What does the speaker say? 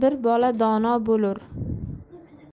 bir bola dono bo'lur